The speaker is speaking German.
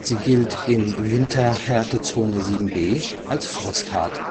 Sie gilt in Winterhärte-Zone 7b als frosthart